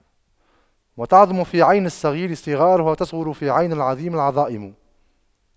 وتعظم في عين الصغير صغارها وتصغر في عين العظيم العظائم